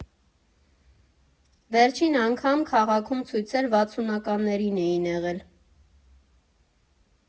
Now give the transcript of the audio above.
Վերջին անգամ քաղաքում ցույցեր վաթսունականներին էին եղել։